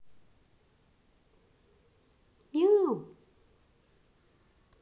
мяу